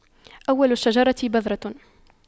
أول الشجرة بذرة